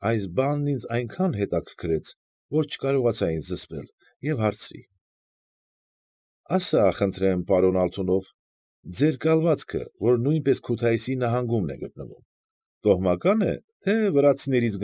Այս բանն ինձ այնքան հետաքրքրեց, որ չկարողացա ինձ զսպել և հարցրի. ֊ Ասա՛ խնդրեմ, պարոն Ալթունով, ձեր կալվածքը, որ նույնպես Քութայիսի նահանգումն է գտնվում, տոհմակա՞ն է, թե՞ վրացիներից։